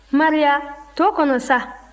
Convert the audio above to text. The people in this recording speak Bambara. maria to kɔnɔ sa